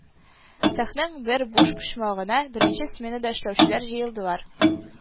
Цехның бер буш почмагына беренче сменада эшләүчеләр җыелдылар